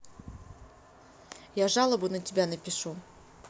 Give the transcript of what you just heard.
я жалобу на тебя напишу